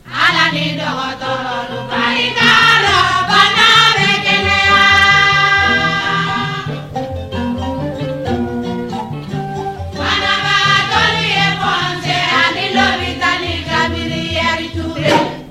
San wa yo batan bɛ deli la faamabakari ye kun cɛ latan ni kagɛninyara yo ye